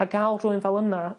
a ga'l rhywun fel yna